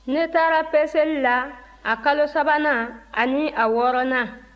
ne taara peseli la a kalo sabanan ani a wɔɔrɔnan